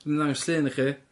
Dwi'n myn' i ddangos llun i chi.